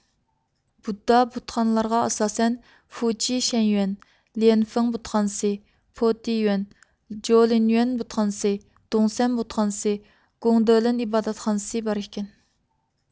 بۇددا بۇتخانىلارغا ئاساسەن فۇچى شەنيۈەن لىيەنفىڭ بۇتخانىسى پوتىيۈەن جولىنيۈەن بۇدخانىسى دۇڭسەن بۇدخانىسى گۇڭدېلىن ئىبادەتخانىسى بار ئىكەن